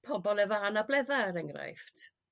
pobol efo anabledda' er enghraifft.